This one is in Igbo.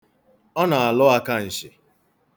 Ọ na-alụ akanshị.